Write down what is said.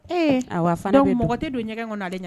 Ee fana mɔgɔ tɛ don ɲɛgɛn kɔnɔ na